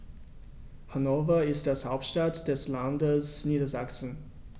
Hannover ist die Hauptstadt des Landes Niedersachsen.